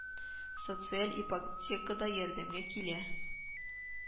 Социаль ипотека да ярдәмгә килә